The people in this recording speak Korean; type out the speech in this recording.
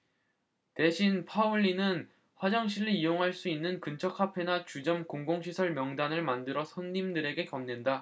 대신 파울리는 화장실을 이용할 수 있는 근처 카페나 주점 공공시설 명단을 만들어 손님들에게 건넨다